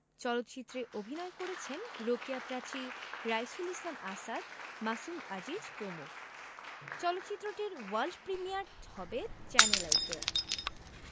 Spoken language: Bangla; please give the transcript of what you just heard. চলচ্চিত্রে অভিনয় করেছেন রোকেয়া প্রাচী রাইসুল ইসলাম আসাদ মাসুম আজিজ প্রমুখ চলচ্চিত্রটির ওয়ার্ল্ড প্রিমিয়ার হবে চ্যানেল আইতে